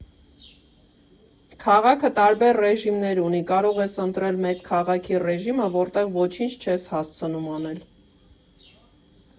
Քաղաքը տարբեր ռեժիմներ ունի՝ կարող ես ընտրել մեծ քաղաքի ռեժիմը, որտեղ ոչինչ չես հասցնում անել։